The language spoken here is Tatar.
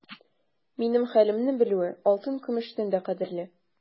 Минем хәлемне белүе алтын-көмештән дә кадерле.